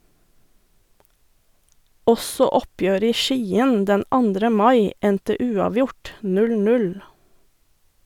Også oppgjøret i Skien den 2. mai endte uavgjort, 0-0.